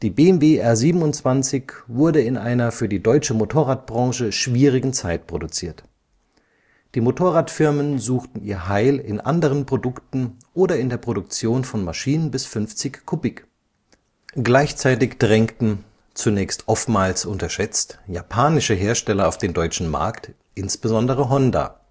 BMW R 27 wurde in einer für die deutsche Motorradbranche schwierigen Zeit produziert. Die Motorradfirmen suchten ihr Heil in anderen Produkten oder in der Produktion von Maschinen bis 50 cm³. Gleichzeitig drängten, zunächst oftmals unterschätzt, japanische Hersteller auf den deutschen Markt, insbesondere Honda